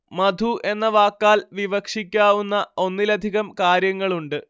മധു എന്ന വാക്കാൽ വിവക്ഷിക്കാവുന്ന ഒന്നിലധികം കാര്യങ്ങളുണ്ട്